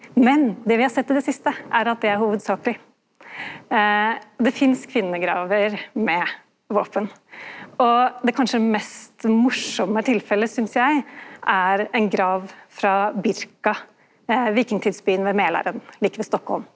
men det vi har sett i det siste er at det er hovudsakleg, det finst kvinnegraver med våpen og det kanskje mest morosame tilfellet synest eg, er ein grav frå Birka vikingtidsbyen ved Malaren like ved Stockholm.